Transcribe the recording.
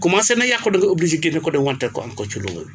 commencé na yàqu da nga obligé génne ko dem wanteer ko am ko ci luuma bi